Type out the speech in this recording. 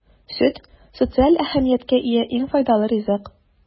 Сөт - социаль әһәмияткә ия иң файдалы ризык.